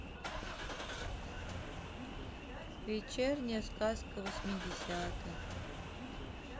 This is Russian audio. вечерняя сказка восьмидесятых